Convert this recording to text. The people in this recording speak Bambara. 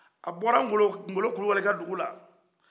a bɔra ngolo ngolo culibali ka dugu la